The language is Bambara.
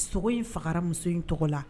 Sogo in fagara muso in tɔgɔ la